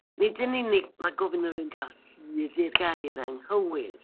Nid yn unig ma' gofyn i rywun gael hud i'r gair anghywir.